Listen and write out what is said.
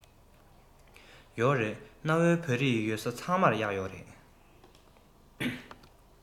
ཡོད རེད གནའ བོའི བོད རིགས ཡོད ས ཚང མར གཡག ཡོད རེད